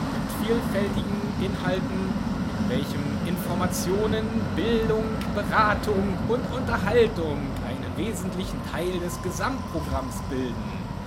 mit vielfältigen Inhalten, in welchem Informationen, Bildung, Beratung und Unterhaltung einen wesentlichen Teil des Gesamtprogramms bilden